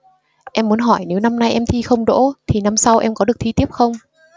em muốn hỏi nếu năm nay em thi không đỗ thì năm sau em có được thi tiếp không